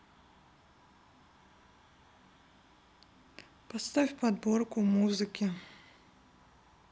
поставь подборку музыки